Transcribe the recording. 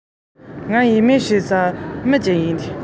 རིག གནས སྦྱོང བ མ ཡིན